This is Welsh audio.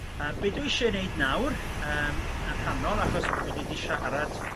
yy be dwi isie wneud nawr yym yn rhannol achos mod i 'di siarad